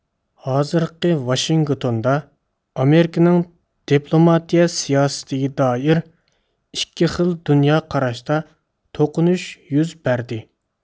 ھازىرقى ۋاشىنگتوندا ئامېرىكىنىڭ دىپلوماتىيە سىياسىتىگە دائىر ئىككى خىل دۇنيا قاراشتا توقۇنۇش يۈز بەردى